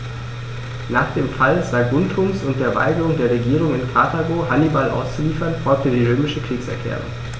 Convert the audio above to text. Nach dem Fall Saguntums und der Weigerung der Regierung in Karthago, Hannibal auszuliefern, folgte die römische Kriegserklärung.